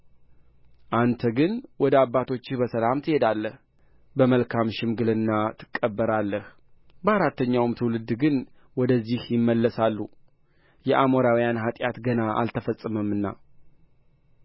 አንተ ግን ወደ አባቶችህ በሰላም ትሄዳለህ በመልካም ሽምግልና ትቀበራለህ በአራተኛው ትውልድ ግን ወደዚህ ይመለሳሉ የአሞራውያን ኃጢአት ገና አልተፈጸመምና